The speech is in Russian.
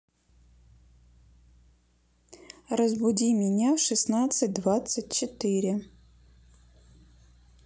разбуди меня в шестнадцать двадцать четыре